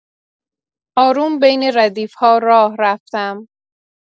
آروم بین ردیف‌ها راه رفتم.